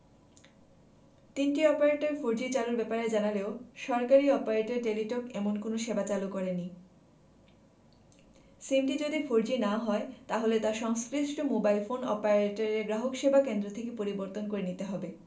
তিনটি operator four G চালুর ব্যাপারে জানালেও সরকারি অপারেটর টেলিটক এমন কোনো সেবা চালু করেনি সিমটি যদি ফোরজি না হয় তাহলে তা সংশ্লিষ্ট মোবাইল ফোন অপারেটরের গ্রাহকসেবা কেন্দ্র থেকে পরিবর্তন করে নিতে হবে